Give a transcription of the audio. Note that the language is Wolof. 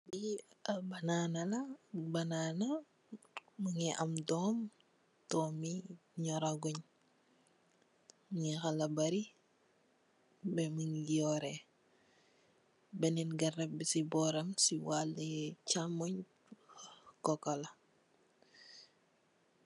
Li ap banana la banana bi mungi am dome nyura gunye mungi khawa bari mungi yureh benen garap bi si waluh cham moi bi cocoa la